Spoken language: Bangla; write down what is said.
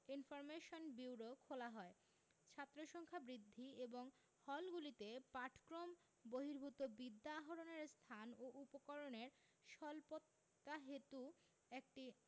ইনফরমেশন বিউরো খোলা হয় ছাত্রসংখ্যা বৃদ্ধি এবং হলগুলিতে পাঠক্রম বহির্ভূত বিদ্যা আহরণের স্থান ও উপকরণের স্বল্পতাহেতু একটি